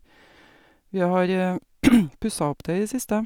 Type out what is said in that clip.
Vi har pussa opp det i det siste.